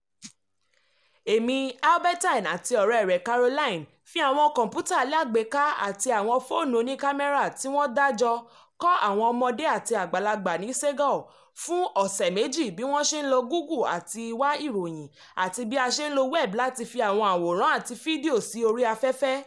Èmi, Albertine àti ọ̀rẹ́ rẹ̀ Caroline fí àwọn Kọ̀ńpútà alágbéká àti àwọ̀n fóònù oní-kámẹ́rà tí wọ́n dá jọ kọ́ àwọn ọmọde àti àgbàlagbà ní Ségou fún ọ̀sẹ̀ mèjì bí wọ́n ṣe ń lo Google láti wá ìròyìn àti bí a ṣe ń lo Web láti fi àwọn àwòrán àti fídíò sí orí áfẹ́fẹ́.